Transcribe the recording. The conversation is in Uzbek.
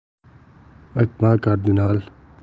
aytma kardinal